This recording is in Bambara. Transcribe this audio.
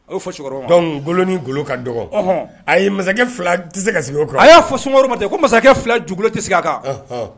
Ain golokan dɔgɔ a ye masakɛ fila tɛ se ka sigi a y'a fɔ sumaworo ma ko masakɛ fila julo tɛ se a kan